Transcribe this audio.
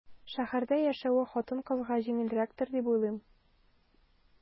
Шәһәрдә яшәве хатын-кызга җиңелрәктер дип уйлыйм.